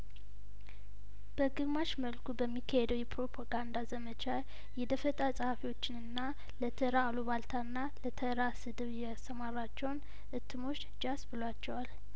በግማሽ መልኩ በሚካሄደው የፕሮፖጋንዳ ዘመቻ የደፈጣ ጸሀፊዎችንና ለተራ አሉባልታና ለተራ ስድብ የሰማ ራቸውን እትሞችጃ ስብሏቸዋል